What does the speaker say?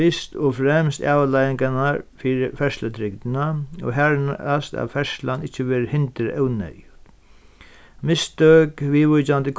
fyrst og fremst avleiðingarnar fyri ferðslutrygdina og har at ferðslan ikki verður hindrað óneyðugt mistøk viðvíkjandi